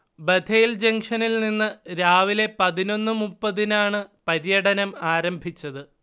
Bethel ജങ്ഷനിൽനിന്ന് രാവിലെ പതിനൊന്നുമുപ്പതിനാണ് പര്യടനം ആരംഭിച്ചത്